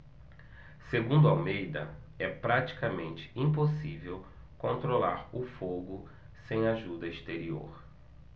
segundo almeida é praticamente impossível controlar o fogo sem ajuda exterior